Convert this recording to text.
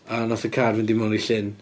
A wnaeth y car fynd i mewn i llyn.